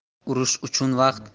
urush uchun vaqt